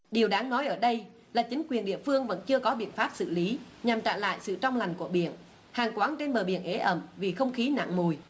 điều đáng nói ở đây là chính quyền địa phương vẫn chưa có biện pháp xử lý nhằm trả lại sự trong lành của biển hàng quán trên bờ biển ế ẩm vì không khí nặng mùi